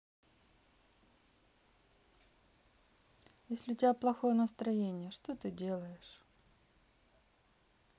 если у тебя плохое настроение что ты делаешь